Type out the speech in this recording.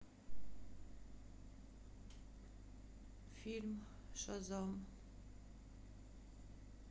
фильм шазам